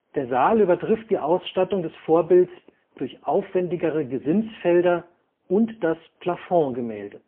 Der Saal übertrifft die Ausstattung des Vorbilds durch aufwendigere Gesimsfelder und das Plafondgemälde